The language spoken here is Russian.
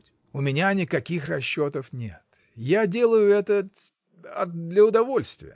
— У меня никаких расчетов нет: я делаю это от. от. для удовольствия.